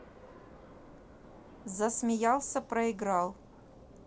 засмеялся проиграл